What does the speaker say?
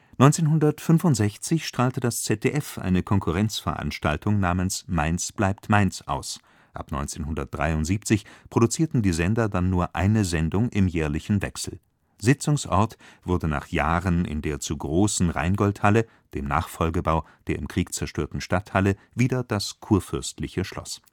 1965 strahlte das ZDF eine Konkurrenzveranstaltung namens „ Mainz bleibt Mainz “aus, ab 1973 produzierten die Sender dann nur eine Sendung im jährlichen Wechsel. Sitzungsort wurde nach Jahren in der zu großen Rheingoldhalle (dem Nachfolgebau der im Krieg zerstörten Stadthalle) wieder das Kurfürstliche Schloss